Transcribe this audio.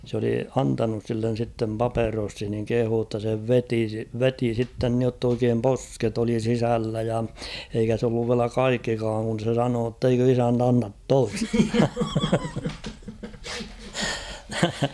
se oli antanut sille sitten paperossin niin kehui jotta se veti veti sitten niin jotta oikein posket oli sisällä ja eikä se ollut vielä kaikkikaan kun se sanoi että eikö isäntä anna toista